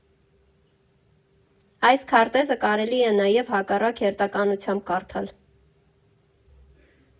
Այս քարտեզը կարելի է նաև հակառակ հերթականությամբ կարդալ։